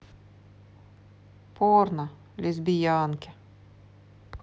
порно лесбиянки